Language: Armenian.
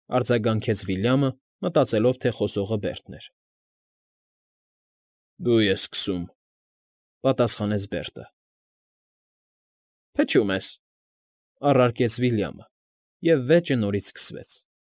Արձագանքեց Վիլյամը, մտածելով, թե խոսողը Բերտն էր։ ֊ Դու ես սկսում,֊ պատասխանեց Բերտը։ ֊ Փչում ես,֊ առարկեց Վիլյամը, և վեճը նորից սկսվեց։